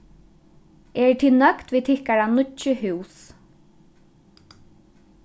eru tit nøgd við tykkara nýggju hús